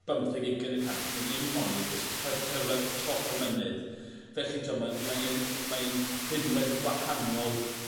bymtheg ugen y cant achos 'na gyd o' n'w moyn o'dd jyst cy- cyrredd top y mynydd felly t'wo' mae o mae e'n mae yn rhinwedd wahanol